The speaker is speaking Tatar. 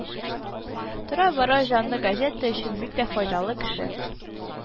Тора-бара җанлы газета өчен бик тә файдалы кеше